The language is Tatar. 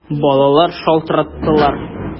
Балалар шалтыраттылар!